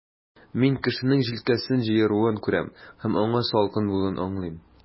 Мин кешенең җилкәсен җыеруын күрәм, һәм аңа салкын булуын аңлыйм.